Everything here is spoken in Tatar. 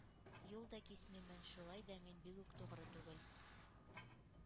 Юл да кисмимен, шулай да мин бигүк тугьры түгел.